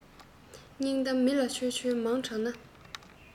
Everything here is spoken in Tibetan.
སྙིང གཏམ མི ལ འཆོལ འཆོལ མང དྲགས ན